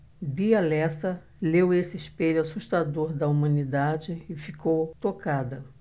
bia lessa leu esse espelho assustador da humanidade e ficou tocada